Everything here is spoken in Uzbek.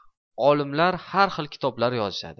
olimlar har xil kitoblar yozishadi